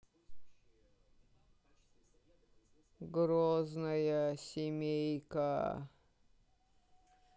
грозная семейка